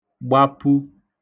gbapu